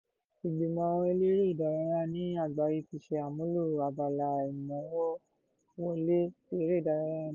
Ìgbìmọ̀ àwọn eléré ìdárayá ní àgbáyé ti ṣe àmúlò abala ìmówówọlé tí eré ìdárayá ní.